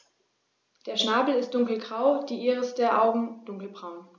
Der Schnabel ist dunkelgrau, die Iris der Augen dunkelbraun.